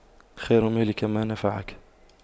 خير مالك ما نفعك